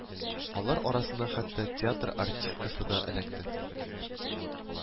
Алар арасына хәтта театр артисткасы да эләкте